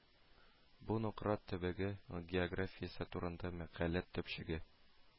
Бу Нократ төбәге географиясе турында мәкалә төпчеге